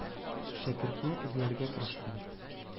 Шәкертне эзләргә кереште.